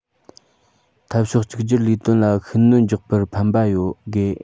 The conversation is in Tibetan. འཐབ ཕྱོགས གཅིག གྱུར ལས དོན ལ ཤུགས སྣོན རྒྱག པར ཕན པ ཡོད དགོས